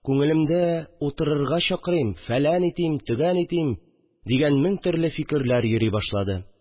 Күңелемдә: «Утырырга чакырыйм, фәлән итим, төгән итим», – дигән мең төрле фикерләр йөри башлады